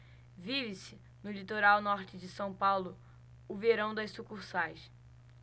vive-se no litoral norte de são paulo o verão das sucursais